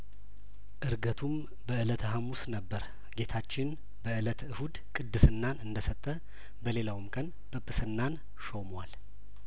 እርገ ቱም በእለተ ሀሙስ ነበር ጌታችን በእለተ እሁድ ቅስናን እንደሰጠ በሌላውም ቀን ጵጵስናን ሾሟል